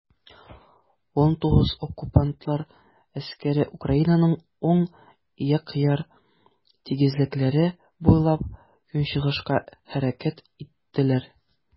XIX Оккупантлар гаскәре Украинаның уң як яр тигезлекләре буйлап көнчыгышка хәрәкәт иттеләр.